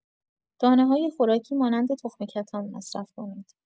دانه‌های خوراکی مانند تخم کتان مصرف کنید.